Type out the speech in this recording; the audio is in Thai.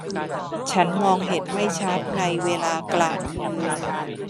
ฉันมองเห็นไม่ชัดในเวลากลางคืน